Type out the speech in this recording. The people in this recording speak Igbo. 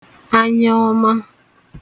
anyọọma